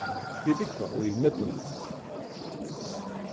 vit búgva í miðbýnum